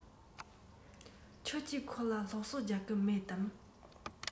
ཁྱོད ཀྱིས ཁོ ལ སློབ གསོ རྒྱག གི མེད དམ